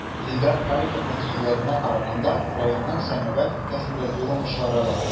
Илдар Халиковның сүзләренә караганда, районның сәнәгать өлкәсендә зур уңышлары бар.